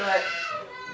oui